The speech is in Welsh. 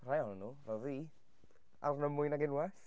Rhai ohonon nhw fel fi arno mwy nag unwaith.